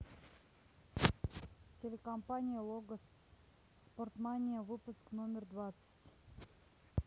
телекомпания логос спортмания выпуск номер двадцать